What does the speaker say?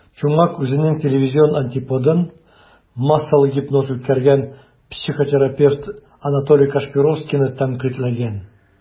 Чумак үзенең телевизион антиподын - массалы гипноз үткәргән психотерапевт Анатолий Кашпировскийны тәнкыйтьләгән.